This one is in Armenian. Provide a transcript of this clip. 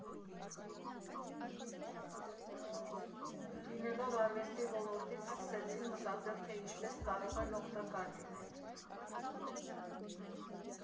Լինելով արվեստի ոլորտից՝ սկսեցին մտածել, թե ինչպես կարող են օգտակար լինել։